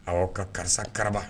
Awɔ ka karisa karaba.